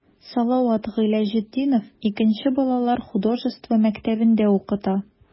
Салават Гыйләҗетдинов 2 нче балалар художество мәктәбендә укыта.